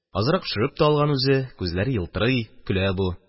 Азрак төшереп тә алган үзе, күзләре елтырый. Көлә бу.